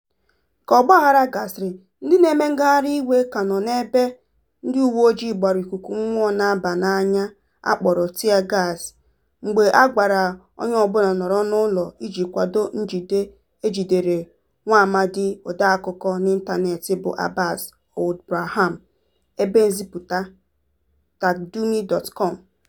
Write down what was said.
Ka ọgbaaghara gasịrị, ndị na-eme ngagharị iwe ka nọ n'ogbe mgbe ndị uweojii gbara ikuku mmụọ na-aba n'anya a kpọrọ 'tear gas' mgbe a gwara onye ọbụla nọrọ n'ụlọ iji kwado njide e jidere nwaamadị odeakụkọ n'ịntanetị bụ Abbass Ould Braham (Ebe Nzipụta: Taqadoumy.com)